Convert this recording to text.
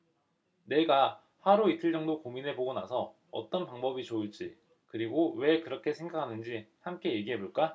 네가 하루 이틀 정도 고민해 보고 나서 어떤 방법이 좋을지 그리고 왜 그렇게 생각하는지 함께 얘기해 볼까